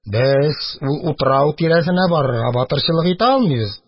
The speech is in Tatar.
Без ул утрау тирәсенә барырга батырчылык итә алмыйбыз.